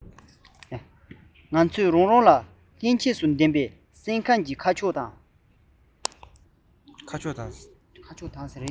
ང ཚོས རང རང ལ ལྷན སྐྱེས སུ ལྡན པའི སེམས ཁམས ཀྱི ཁ ཕྱོགས དང